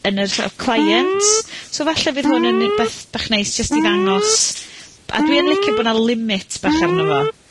yn yr so't of client. So falle bydd hwn yn wbeth bach neis, jyst i ddangos... A dwi yn licio bo' 'na limit bach arno fo.